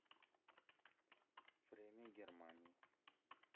время германии